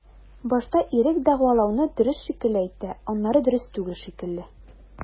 Башта ирек дәгъвалауны дөрес шикелле әйтә, аннары дөрес түгел шикелле.